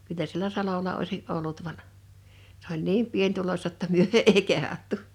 kyllä siellä salolla olisi ollut vaan se oli niin pienituloista jotta me ei kehdattu